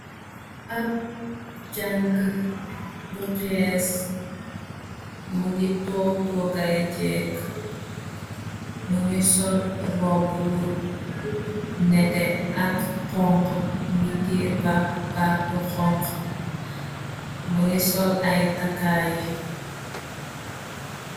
Ab càng bu xees , mu gi toog togay jekk , mu ngi sol robb bu nete ak xonko mngi tier bab baag bu xonxo mu ngi sol ay takaay.